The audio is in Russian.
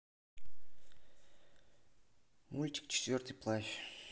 мультик черный плащ